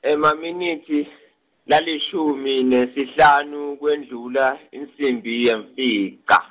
Emaminitsi, lalishumi nesihlanu, kwendlula insimbi yemfica.